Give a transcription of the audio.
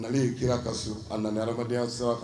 ' kira ka a nana ha adamadamadenya sira